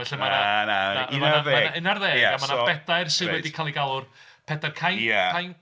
Felly mae 'na... Na, na un ar ddeg!... Mae 'na un ar ddeg mae 'na bedair sydd wedi cael eu galw'npedair cainc... Ia... Cainc?